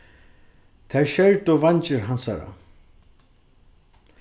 tær skerdu veingir hansara